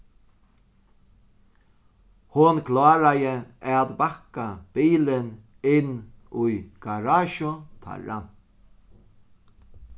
hon kláraði at bakka bilin inn í garasju teirra